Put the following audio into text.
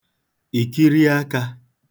ìkiriakā